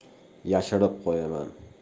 yashirib qo'yaman